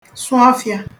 sụ ọfị̄a